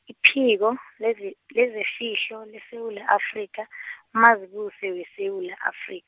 iphiko , leze- lezefihlo leSewula Afrika , uMazibuse weSewula Afri-.